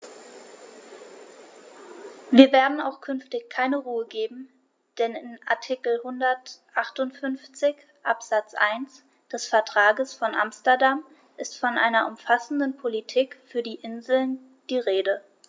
Wir werden auch künftig keine Ruhe geben, denn in Artikel 158 Absatz 1 des Vertrages von Amsterdam ist von einer umfassenden Politik für die Inseln die Rede.